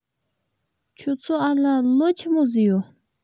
ཁྱོད ཚོ འ ལ ལོ ཆི མོ ཟིག ཡོད